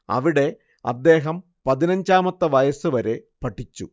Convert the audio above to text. അവിടെ അദ്ദേഹം പതിനഞ്ചാമത്തെ വയസ്സുവരെ പഠിച്ചു